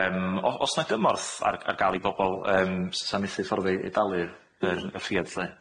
Yym o- o's 'na gymorth ar ar ga'l i bobol yym sy'n sa'n methu fforddio i dalu yr y ffïoedd lly?